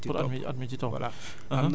kooku dafay préparer suuf